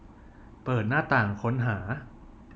เปิดหน้าต่างค้นหา